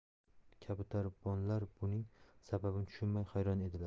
kabutarbonlar buning sababini tushunmay hayron edilar